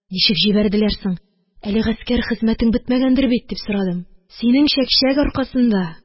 – ничек җибәрделәр соң, әле гаскәр хезмәтең бетмәгәндер бит? – дип сорадым. синең чәкчәк аркасында